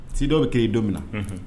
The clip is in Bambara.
Si dɔw bɛ kɛ i don min na